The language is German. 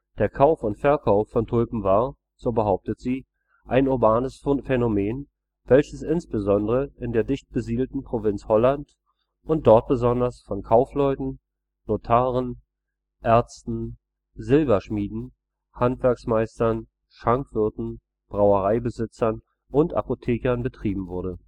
Der Kauf und Verkauf von Tulpen war, so behauptet sie, ein urbanes Phänomen, welches insbesondere in der dicht besiedelten Provinz Holland und dort besonders von Kaufleuten, Notaren, Ärzten, Silberschmieden, Handwerksmeistern, Schankwirten, Brauereibesitzern und Apothekern betrieben wurde